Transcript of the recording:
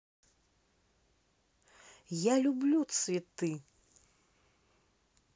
я люблю цветы